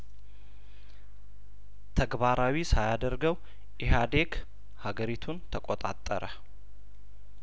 ተግባራዊ ሳያደርገው ኢህአዴግ ሀገሪቱን ተቆጣጠረ